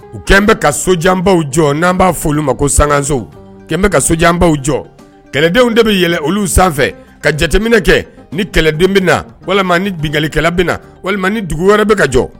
U kɛlen bɛ ka sojan baw jɔ n'an b'a foli ma ko sanso kɛmɛ bɛ ka sodiya baw jɔ kɛlɛdenw de bɛɛlɛn olu sanfɛ ka jateminɛ kɛ ni kɛlɛdon bɛ na walima ni bilikɛla bɛ na walima dugu wɛrɛ bɛ ka jɔ